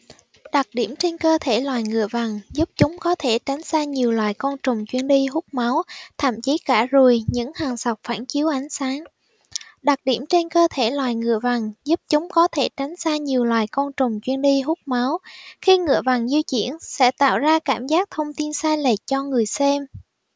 đặc điểm trên cơ thể loài ngựa vằn giúp chúng có thể tránh xa nhiều loài côn trùng chuyên đi hút máu thậm chí cả ruồi những hàng sọc phản chiếu ánh sáng đặc điểm trên cơ thể loài ngựa vằn giúp chúng có thể tránh xa nhiều loài côn trùng chuyên đi hút máu khi ngựa vằn di chuyển sẽ tạo ra cảm nhận thông tin sai lệch cho người xem